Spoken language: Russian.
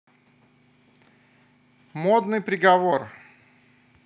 модный приговор